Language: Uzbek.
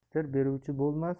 sir beruvchi bo'lma